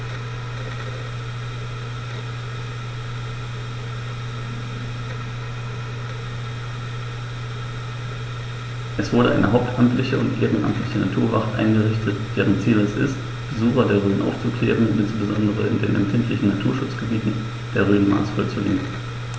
Es wurde eine hauptamtliche und ehrenamtliche Naturwacht eingerichtet, deren Ziel es ist, Besucher der Rhön aufzuklären und insbesondere in den empfindlichen Naturschutzgebieten der Rhön maßvoll zu lenken.